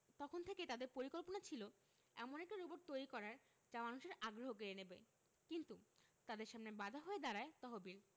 তখন থেকেই তাদের পরিকল্পনা ছিল এমন একটি রোবট তৈরি করার যা মানুষের আগ্রহ কেড়ে নেবে কিন্তু তাদের সামনে বাধা হয়ে দাঁড়ায় তহবিল